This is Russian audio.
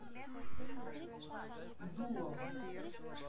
дуло